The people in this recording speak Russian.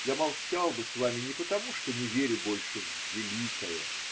Я молчал бы с вами не потому, что не верю больше в великое.